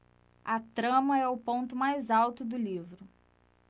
a trama é o ponto mais alto do livro